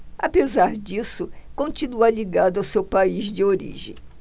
apesar disso continua ligado ao seu país de origem